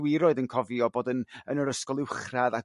dwi 'r'oed yn cofio bod yn yn yr ysgol uwchradd a